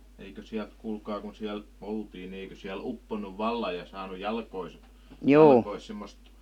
eikö sieltä kuulkaa kun siellä oltiin niin eikö siellä uponnut vallan ja saanut jalkoihinsa jalkoihinsa semmoista